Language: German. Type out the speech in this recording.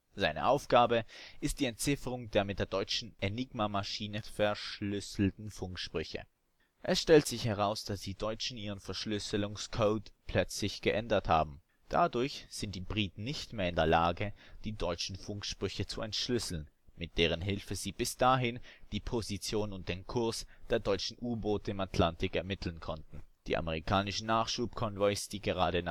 Seine Aufgabe ist die Entzifferung der mit der deutschen ENIGMA-Maschine verschlüsselten Funksprüche. Es stellt sich heraus, dass die Deutschen ihren Verschlüsselungscode plötzlich geändert haben. Dadurch sind die Briten nicht mehr in der Lage, die deutschen Funksprüche zu entschlüsseln, mit deren Hilfe sie bis dahin die Position und den Kurs der deutschen U-Boote im Atlantik ermitteln konnten. Die amerikanischen Nachschubkonvois, die gerade